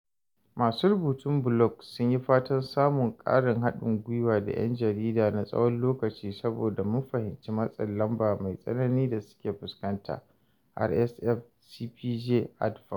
Masu rubutun blog sun yi fatan samun ƙarin haɗin gwiwa da ‘yan jarida na tsawon lokaci saboda mun fahimci matsin lamba mai tsanani da suke fuskanta (RSF, CPJ, Advox).